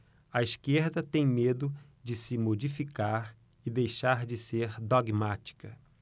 a esquerda tem medo de se modificar e deixar de ser dogmática